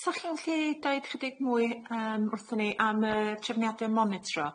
'Sa chi'n gallu deud chydig mwy yym wrthon ni am yy trefniade monitro?